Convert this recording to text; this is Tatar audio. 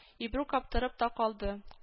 Ибрук аптырап та калды